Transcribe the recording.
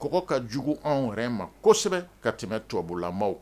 Kɔgɔ ka jugu anw rɛn ma kosɛbɛ ka tɛmɛ tubabulamaw